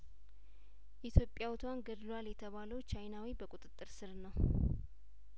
ኢትዮጵያዊቷን ገድሏል የተባለው ቻይናዊ በቁጥጥር ስር ነው